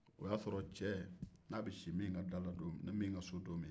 o y'a sɔrɔ cɛ n'a bɛ si min ka so don min